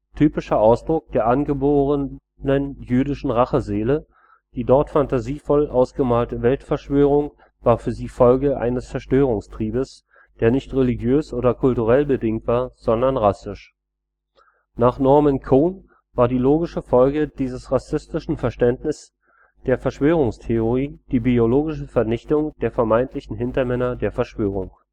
typischer Ausdruck der angeborenen jüdischen Rassenseele, die dort phantasievoll ausgemalte Weltverschwörung war für sie Folge eines Zerstörungstriebes, der nicht religiös oder kulturell bedingt war, sondern rassisch. Nach Norman Cohn war die logische Folge dieses rassistischen Verständnisses der Verschwörungstheorie die biologische Vernichtung der vermeintlichen Hintermänner der Verschwörung